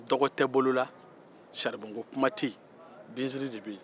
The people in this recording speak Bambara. dɔgɔ tɛ bolola saribɔn ko kuma tɛ ye binsiri de bɛ ye